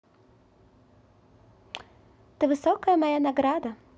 ты высокая моя награда